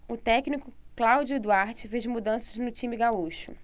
o técnico cláudio duarte fez mudanças no time gaúcho